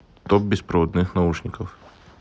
топ беспроводных наушников